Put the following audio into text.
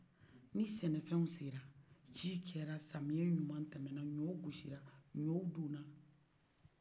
ni sɛnɛ fɛw sela ci kɛla samiya ɲuman tɛmɛna ɲɔn kosila ɲɔn dona